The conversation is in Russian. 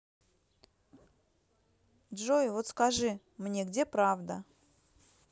джой вот скажи мне где правда